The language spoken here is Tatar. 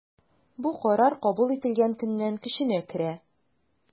Бу карар кабул ителгән көннән көченә керә.